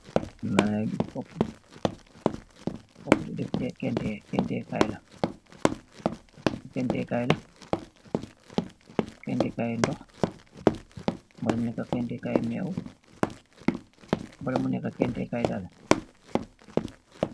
magis opp pkente kaayla kenti kaay ndoxkmunka kent kaay dall